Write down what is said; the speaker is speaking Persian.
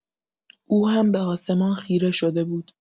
او هم به آسمان خیره شده بود.